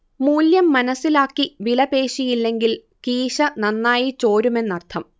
മൂല്യം മനസ്സിലാക്കി വിലപേശിയില്ലെങ്കിൽ കീശ നന്നായി ചോരുമെന്നർഥം